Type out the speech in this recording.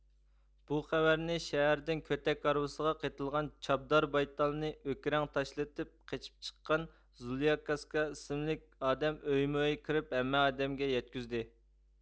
بۇ خەۋەرنى شەھەردىن كۆتەك ھارۋىسىغا قېتىلغان چابدار بايتالنى ئۆكىرەڭ تاشلىتىپ قېچىپ چىققان زۇليا كاسكا ئىسىملىك ئادەم ئۆيمۇ ئۆي كىرىپ ھەممە ئادەمگە يەتكۈزدى